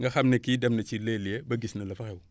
nga xam ne kii dem na si les lieux ba gis na la fa xew